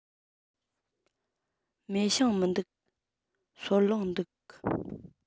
མེ ཤིང མི འདུག སོལ རླངས འདུག